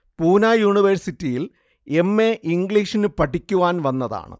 പൂനാ യുനിവേര്സിറ്റിയിൽ M. A ഇംഗ്ലീഷിന് പഠിക്കുവാൻ വന്നതാണ്